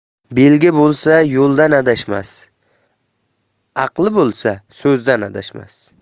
belgi bo'lsa yo'ldan adashmas aql bo'lsa so'zdan